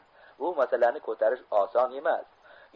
bu masalani ko'tarish oson emas